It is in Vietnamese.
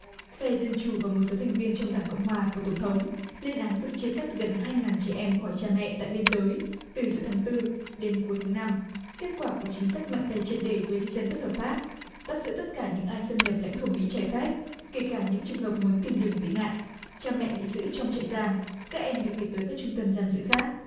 phe dân chủ và một số thành viên trong đảng cộng hòa của tổng thống lên án việc chia cắt gần hai ngàn trẻ em khỏi cha mẹ tại biên giới từ giữa tháng tư đến cuối tháng năm kết quả của chính sách mạnh tay triệt để với di dân bất hợp pháp bắt giữ tất cả những ai xâm nhập lãnh thổ mỹ trái phép kể cả những trường hợp muốn tìm đường tị nạn cha mẹ bị giữ trong trại giam các em bị gửi tới các trung tâm giam giữ khác